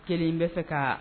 Kelen bɛ se ka